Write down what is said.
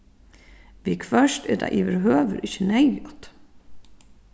viðhvørt er tað yvirhøvur ikki neyðugt